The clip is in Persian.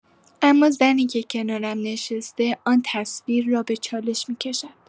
اما زنی که کنارم نشسته، آن تصویر را به چالش می‌کشد.